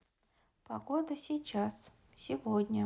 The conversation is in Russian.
погода сейчас сегодня